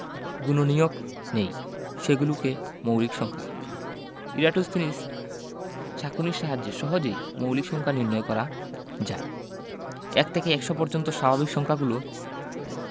গুণনীয়ক নেই সেগুলো মৌলিক সংখ্যা ইরাটোস্তিনিস ছাঁকনির সাহায্যে সহজেই মৌলিক সংখ্যা নির্ণয় করা যায় ১ থেকে ১০০ পর্যন্ত স্বাভাবিক সংখ্যাগুলো